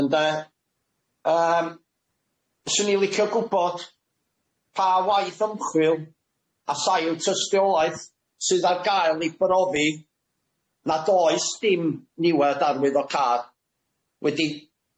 ynde yym swn ni'n licio gwbod pa waith ymchwil a sa i'w tystiolaeth sydd ar gael i brofi nad oes dim niwed arwyddocâd wedi